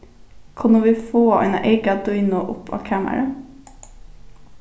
kunnu vit fáa eina eyka dýnu upp á kamarið